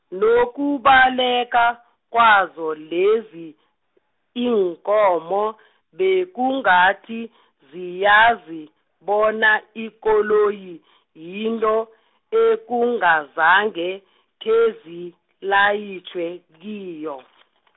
nokubaleka, kwazo lezi, iinkomo bekungathi, ziyazi bona, ikoloyi , yinto, ekungazange, khezilayitjhwe, kiyo .